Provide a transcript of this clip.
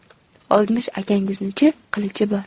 oltmish akangizni chi qilichi bor